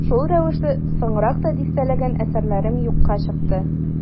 Шул рәвешле соңрак та дистәләгән әсәрләрем юкка чыкты.